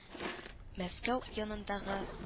Мәскәү янындагы